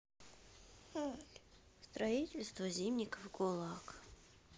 строительство зимников гулаг